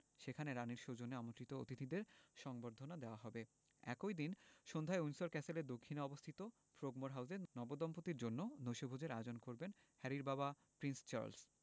সেখানে রানির সৌজন্যে আমন্ত্রিত অতিথিদের সংবর্ধনা দেওয়া হবে একই দিন সন্ধ্যায় উইন্ডসর ক্যাসেলের দক্ষিণে অবস্থিত ফ্রোগমোর হাউসে নবদম্পতির জন্য নৈশভোজের আয়োজন করবেন হ্যারির বাবা প্রিন্স চার্লস